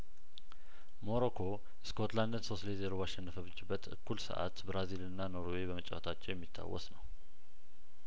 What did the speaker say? ሞሮኮ ስኮትላንድን ሶስት ለዜሮ ባሸነፈ ችበት እኩል ሰአት ብራዚልና ኖርዌይ በመጫወታቸው የሚታወስ ነው